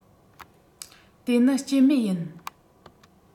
དེ ནི སྐྱེད མེད ཡིན